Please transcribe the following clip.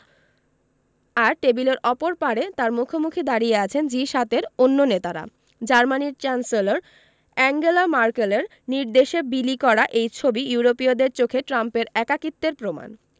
আর টেবিলের অপর পারে তাঁর মুখোমুখি দাঁড়িয়ে আছেন জি ৭ এর অন্য নেতারা জার্মানির চ্যান্সেলর আঙ্গেলা ম্যার্কেলের নির্দেশে বিলি করা এই ছবি ইউরোপীয়দের চোখে ট্রাম্পের একাকিত্বের প্রমাণ